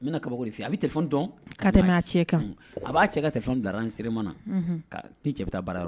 N bɛna kaba fɔ a bɛ tɛ fɛn dɔn ka tɛmɛ a cɛ kan a b'a cɛ ka dara sirama na ka ci cɛ bɛ taa baara yɔrɔ